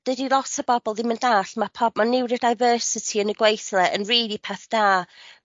dydi lot o bobol ddim yn dallt ma' pa- ma' neurodiversity yn y gweithle yn rili peth da.